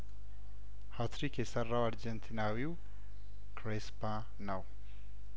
ሀ ትሪክ የሰራው አርጀንቲና ዊው ክሬስፓ ነው